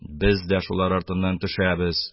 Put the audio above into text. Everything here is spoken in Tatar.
Без дә шулар артыннан төшәбез.